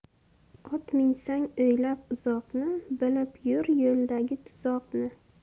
ot minsang o'ylab uzoqni bilib yur yo'ldagi tuzoqni